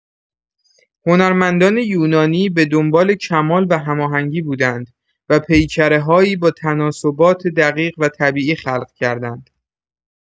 هنرمندان یونانی به دنبال کمال و هماهنگی بودند و پیکره‌هایی با تناسبات دقیق و طبیعی خلق کردند.